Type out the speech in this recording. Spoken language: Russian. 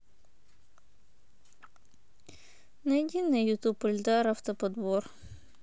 найди на ютуб эльдар автоподбор